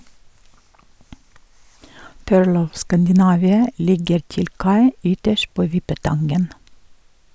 "Pearl of Scandinavia" ligger til kai ytterst på Vippetangen.